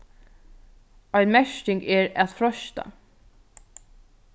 ein merking er at freista